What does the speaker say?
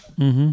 e